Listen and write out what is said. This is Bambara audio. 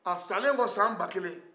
a salen kɔ san bakelen